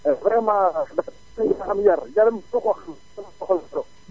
vraiment dafa kii dafa am yar Jalle mësuma ko xam sama bakkanu doom